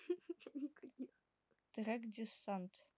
трек distant